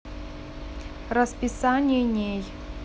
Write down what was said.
расписание ней